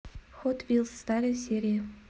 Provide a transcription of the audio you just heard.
хот вилс старые серии